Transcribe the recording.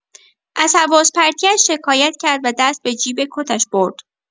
از حواس پرتی‌اش شکایت کرد و دست به جیب کتش برد